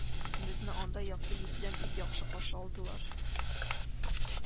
Безне анда якты йөз белән бик яхшы каршы алдылар